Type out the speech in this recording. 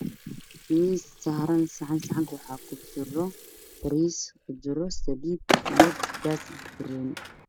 Waa miis waxaa saaran saxan waxaa kujiro bariis kujiro saliid, basbaas iyo banbanooni.